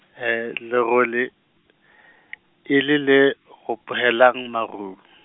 lerole , e le le ropohelang marung.